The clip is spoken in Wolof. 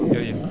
jërëjëf